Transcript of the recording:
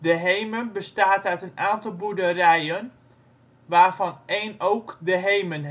Heemen bestaat uit een aantal boerderijen, waarvan een ook De Heemen